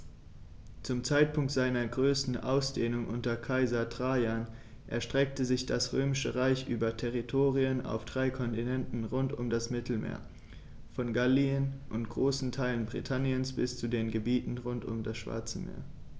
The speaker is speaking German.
Zum Zeitpunkt seiner größten Ausdehnung unter Kaiser Trajan erstreckte sich das Römische Reich über Territorien auf drei Kontinenten rund um das Mittelmeer: Von Gallien und großen Teilen Britanniens bis zu den Gebieten rund um das Schwarze Meer.